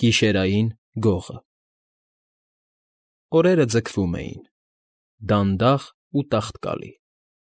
ԳԻՇԵՐԱՅԻՆ ԳՈՂԸ Օրերը ձգվում էին՝ դանդաղ ու տաղտկալի։